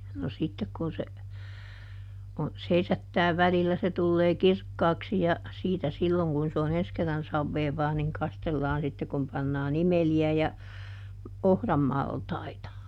no sitten kun se on seisattaa välillä se tulee kirkkaaksi ja siitä silloin kun se on ensi kerran saveavaa niin kastellaan sitten kun pannaan imeliä ja ohramaltaita